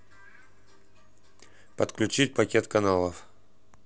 подключить пакет каналов